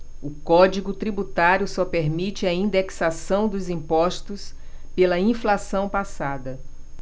o código tributário só permite a indexação dos impostos pela inflação passada